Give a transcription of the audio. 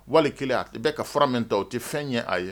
Wali kelen i bɛ ka fura min ta o tɛ fɛn ye a ye